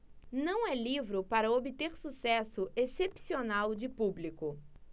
não é livro para obter sucesso excepcional de público